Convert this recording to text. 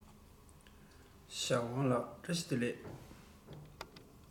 ཞའོ ཝང ལགས བཀྲ ཤིས བདེ ལེགས